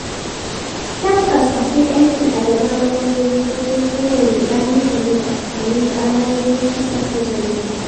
Tabbas akwai aiki a gaban lauyoyi wajen kau da ruɗani game da amfani da alamomin ƙasar ta Jamaika.